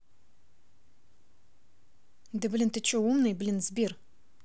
да блин ты че умный блин сбер